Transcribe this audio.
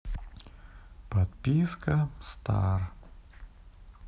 подписка стар